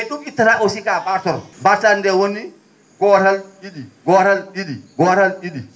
mais ?um ittata aussi ka ?aatoto ?aataade nde woni gootal ?i?i gootal ?i?i gootal ?i?i